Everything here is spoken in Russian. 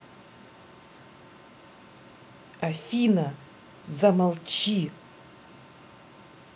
афина замолчи